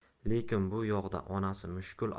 lekin bu yoqda onasi mushkul